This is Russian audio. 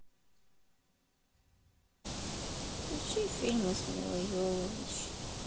включи фильмы с милой йовович